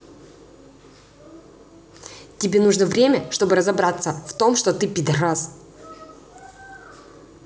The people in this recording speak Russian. тебе нужно время чтобы разобраться в том что ты пидарас